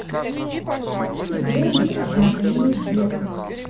granny обновление с дедом